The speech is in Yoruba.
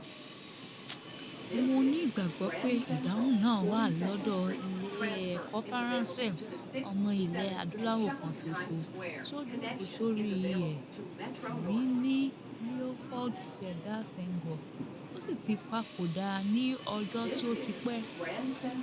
Mo ní ìgbàgbọ́ pé ìdáhùn náà wà lọdọ Ilé Ẹ̀kọ́ Faransé: ọmọ Ilẹ̀ Adúláwò kan ṣoṣo tí ó jókòó sórí ẹ̀ rí ni Leopold Sedar Senghor, ó sì ti papòdà ní ọjọ́ tí ó ti pẹ̀.